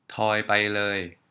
ทอยไปเลย